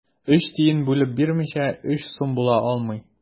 Өч тиен бүлеп бирмичә, өч сум була алмый.